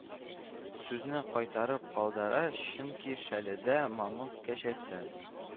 Сүзенә кайтарып калдыра, чөнки шәледә мамык кәҗәсе